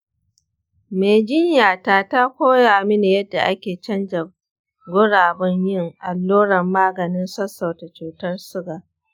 mai jinyata ta koya mini yadda ake canja gurabun yin allurar maganin sassauta cutar suga.